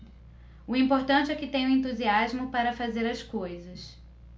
o importante é que tenho entusiasmo para fazer as coisas